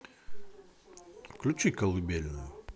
включи колыбельную